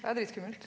det er dritskummelt.